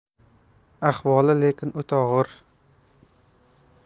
ahvoli lekin o'ta og'ir